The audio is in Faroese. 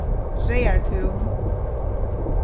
traðartún